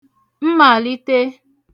mmàlite